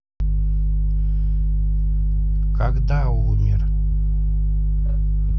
когда умер